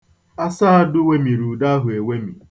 Asadụ wemiri ude ahụ ewemi.